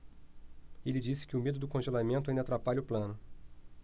ele disse que o medo do congelamento ainda atrapalha o plano